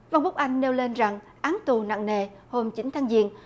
vương quốc anh nêu lên rằng án tù nặng nề hôm chín tháng giêng